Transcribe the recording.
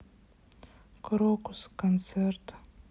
крокус концерт